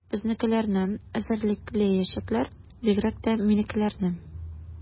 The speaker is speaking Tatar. Безнекеләрне эзәрлекләячәкләр, бигрәк тә минекеләрне.